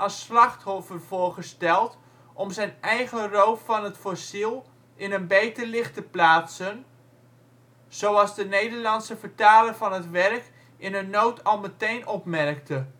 slachtoffer voorgesteld om zijn eigen roof van het fossiel in een beter licht te plaatsen — zoals de Nederlandse vertaler van het werk in een noot al meteen opmerkte